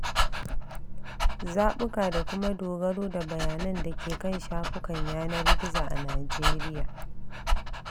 Zaɓuka da kuma dogaro da bayanan da ke kan shafukan yanar gizo a Nijeriya.